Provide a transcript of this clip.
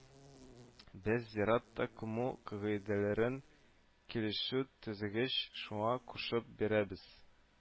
Без зиратта күмү кагыйдәләрен килешү төзегәч шуңа кушып бирәбез